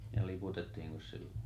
ja liputettiinkos silloin